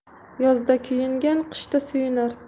yozda kuyungan qishda suyunar